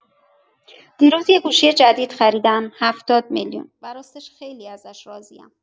دیروز یه گوشی جدید خریدم هفتاد میلیون و راستش خیلی ازش راضیم.